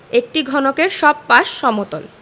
একটি ঘনকের সব পাশ সমতল